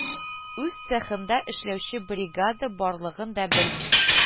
Үз цехында эшләүче бригада барлыгын да белми